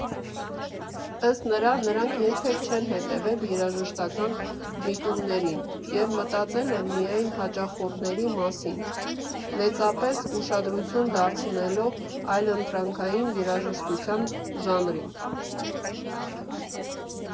Ըստ նրա՝ նրանք երբեք չեն հետևել երաժշտական միտումներին և մտածել են միայն հաճախորդների մասին՝ մեծապես ուշադրություն դարձնելով այլընտրանքային երաժշտության ժանրին։